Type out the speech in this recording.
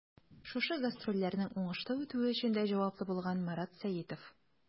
Шушы гастрольләрнең уңышлы үтүе өчен дә җаваплы булган Марат Сәитов.